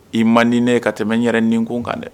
I man di ne ye ka tɛmɛ n yɛrɛ nin ko kan dɛ.